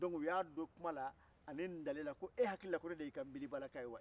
donc u y'a don kuma la ani dalen la ko e hakili la ko ne de y'i ka n'bilibala ka ye wa